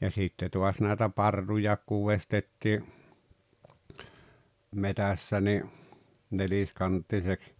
ja sitten taas näitä parruja kun veistettiin metsässä niin neliskanttiseksi